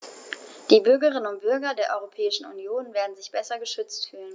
Die Bürgerinnen und Bürger der Europäischen Union werden sich besser geschützt fühlen.